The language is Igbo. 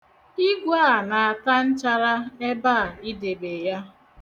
Igwe a na-ata nchara ebe a ị debe ya.